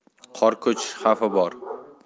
qor ko'chishi xavfi bor